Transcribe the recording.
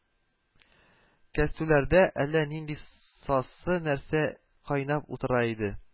Кәстрүлләрдә әллә нинди сасы нәрсә кайнап утыра иде